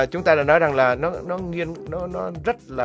chúng ta đã nói rằng là nó nghiêng nó nó rất là